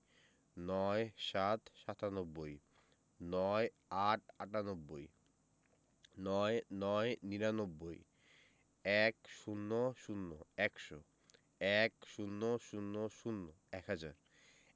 ৯৭ – সাতানব্বই ৯৮ - আটানব্বই ৯৯ - নিরানব্বই ১০০ – একশো ১০০০ – এক হাজার